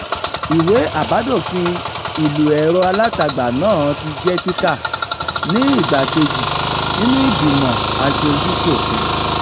Ìwé àbádòfin ìlò ẹ̀rọ alátagbà náà ti jẹ́ kíkà ní ìgbà kejì nínú ìgbìmọ̀ Aṣojú-ṣòfin.